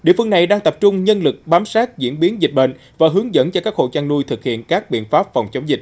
địa phương này đang tập trung nhân lực bám sát diễn biến dịch bệnh và hướng dẫn cho các hộ chăn nuôi thực hiện các biện pháp phòng chống dịch